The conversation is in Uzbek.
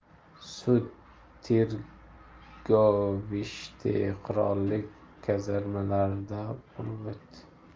sud tirgovishte qirollik kazarmalarida bo'lib o'tdi